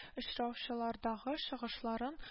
Очраушылардагы чыгышларын